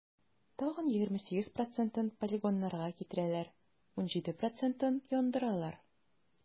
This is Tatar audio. Тагын 28 процентын полигоннарга китерәләр, 17 процентын - яндыралар.